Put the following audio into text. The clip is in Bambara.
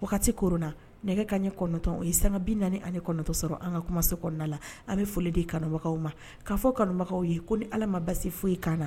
Wagati ko na nɛgɛ ka ɲɛ kɔnɔntɔn o ye san bin naaniani anitɔ sɔrɔ an ka kuma se kɔnɔna la an bɛ foli di kanubagaw ma k'a fɔ kanubagaw ye ko ni ala ma basi foyi kan na